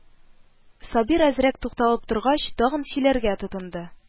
Сабир, әзрәк тукталып торгач, тагын сөйләргә тотынды: